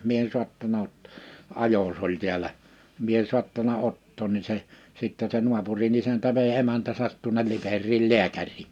minä en saattanut - ajos oli täällä minä en saattanut ottaa niin se sitten se naapurin isäntä vei emäntänsä tuonne Liperiin lääkäriin